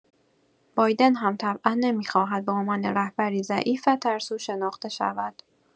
بایدن هم طبعا نمی‌خواهد به عنوان رهبری ضعیف و ترسو شناخته شود.